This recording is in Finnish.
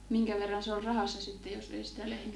minkä verran se oli rahassa sitten jos ei sitä lehmää